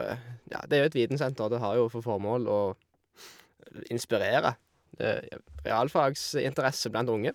Ja, det er jo et vitensenter, det har jo for formål å inspirere realfagsinteresse blant unge.